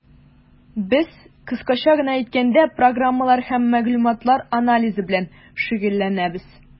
Без, кыскача гына әйткәндә, программалар һәм мәгълүматлар анализы белән шөгыльләнәбез.